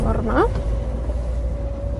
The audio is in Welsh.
Ffor' 'ma